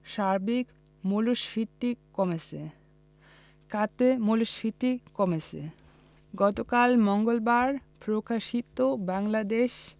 সার্বিক মূল্যস্ফীতি কমেছে খাদ্য মূল্যস্ফীতিও কমেছে গতকাল মঙ্গলবার প্রকাশিত বাংলাদেশ